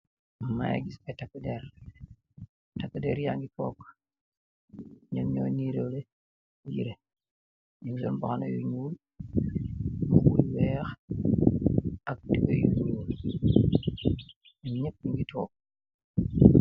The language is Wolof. Maangy gis aiiy takue dehrrre, takue dehrrre yaangy tok, njom njur nirol leh yehreh, nju sol mbahanah yu njull, mbubu yu wekh ak binda yu njull, njom njehp njungy tok.